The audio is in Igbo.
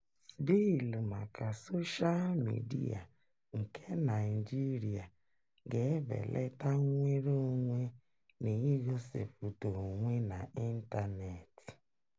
Bịịlụ maka soshaa midịa nke Naịjirịa ga-ebeleta nnwere onwe n'igosipụta onwe n'ịntaneetị